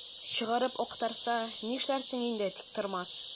Чыгарып актарса, нишләрсең инде, Тиктормас?